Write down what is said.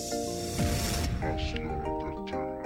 San